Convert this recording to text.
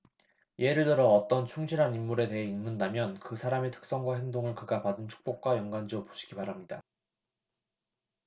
예를 들어 어떤 충실한 인물에 대해 읽는다면 그 사람의 특성과 행동을 그가 받은 축복과 연관 지어 보시기 바랍니다